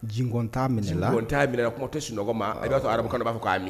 Jingɔn t'a minɛ la jingɔn t'a minɛ la kumatɛ sinɔgɔ ma a i b'a sɔ Arabe kan na u b'a fɔ ko aami